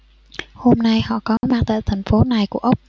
hôm nay họ có mặt tại thành phố này của úc